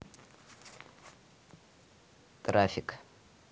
траффик